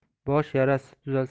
bosh yarasi tuzalsa